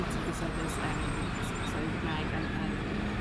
eating disorders yym s- sorri'n Gymraeg yn yym...